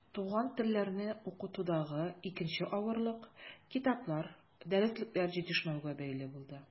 Туган телләрне укытудагы икенче авырлык китаплар, дәреслекләр җитешмәүгә бәйле булды.